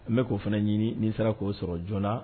N bɛ k'o fana ɲini' sera k'o sɔrɔ joonana